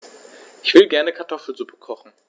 Ich will gerne Kartoffelsuppe kochen.